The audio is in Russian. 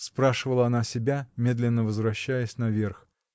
— спрашивала она себя, медленно возвращаясь наверх.